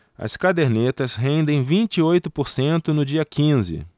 as cadernetas rendem vinte e oito por cento no dia quinze